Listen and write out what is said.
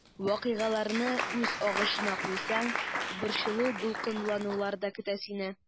Вакыйгаларны үз агышына куйсаң, борчылу-дулкынланулар да көтә сине.